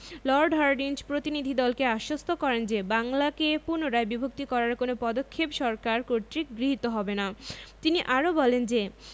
Lord Hardinge প্রতিনিধিদলকে আশ্বস্ত করেন যে বাংলাকে পুনরায় বিভক্ত করার কোনো পদক্ষেপ সরকার কর্তৃক গৃহীত হবে না তিনি আরও বলেন যে